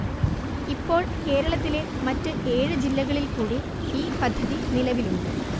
ഇപ്പോൾ കേരളത്തിലെ മറ്റ് ഏഴ് ജില്ലകളിൽ കൂടി ഈ പദ്ധതി നിലവിലുണ്ട്